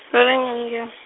re le nyongen-.